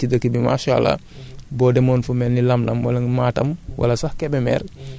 comme nag phosphate moom dafa nekk lu nga xamante ni dafa bari bari na ci dëkk bi maasaa àllaa